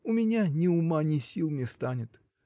У меня ни ума, ни сил не станет.